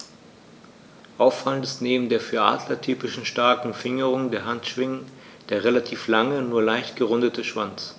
Auffallend ist neben der für Adler typischen starken Fingerung der Handschwingen der relativ lange, nur leicht gerundete Schwanz.